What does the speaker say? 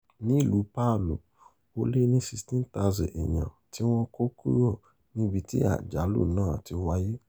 Nílùú Palu, ó lé ní 16,000 èèyàn tí wọ́n kó kúrò níbi tí àjálù náà ti wáyé.